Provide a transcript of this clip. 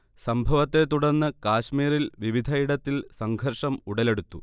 സംഭവത്തെ തുർന്ന് കാശ്മീരിൽ വിവിധ ഇടത്തിൽ സംഘർഷം ഉടലെടുത്തു